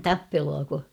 tappeluako